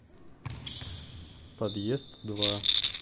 подъезд два